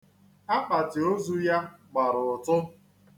Akpati ozu ya gbara ụtụ.